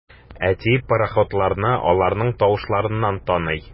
Әти пароходларны аларның тавышларыннан таный.